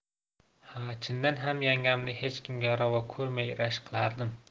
ha chindan ham yangamni hech kimga ravo ko'rmay rashk qilardim